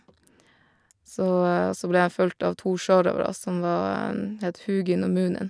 så Og så ble dem fulgt av to sjørøvere som var het Hugin og Munin.